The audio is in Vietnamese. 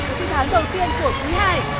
cuộc thi tháng đầu tiên của quý hai